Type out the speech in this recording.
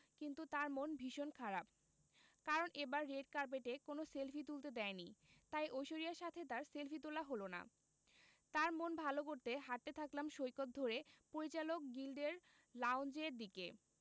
কিন্তু তার মন ভীষণ খারাপ কারণ এবার রেড কার্পেটে কোনো সেলফি তুলতে দেয়নি তাই ঐশ্বরিয়ার সাথে তার সেলফি তোলা হলো না তার মন ভালো করতে হাঁটতে থাকলাম সৈকত ধরে পরিচালক গিল্ডের লাউঞ্জের দিকে